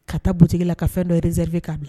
Ka taa bontigi la ka fɛn dɔɛrɛderie k'a bila